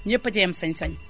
ñépp a ci yam sañ-sañ